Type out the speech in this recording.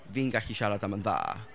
Fi'n gallu siarad am yn dda.